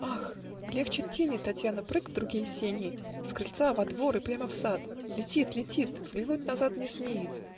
"Ах!" - и легче тени Татьяна прыг в другие сени, С крыльца на двор, и прямо в сад, Летит, летит взглянуть назад Не смеет